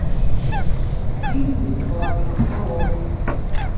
фильм бесплатно холоп